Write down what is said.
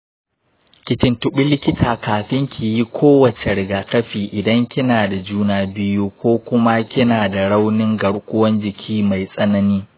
ki tuntuɓi likita kafin ki yi kowace rigakafi idan kina da juna biyu ko kuma kina da raunin garkuwar jiki mai tsanani.